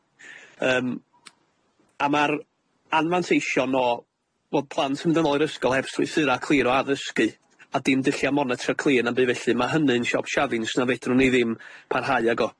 Yym, a ma'r anfanteision o- fo' plant yn mynd yn ôl i'r ysgol heb strwythura' clir o addysgu, a dim dullia' monitro clir na'm by' felly, ma' hynny'n siop shaffins na fedrwn ni ddim parhau ag o.